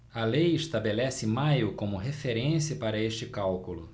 a lei estabelece maio como referência para este cálculo